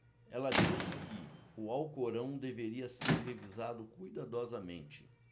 ela disse que o alcorão deveria ser revisado cuidadosamente